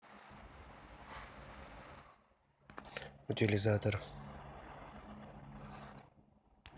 утилизатор